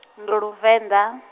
ndu Luvenḓa.